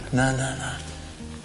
Na na na.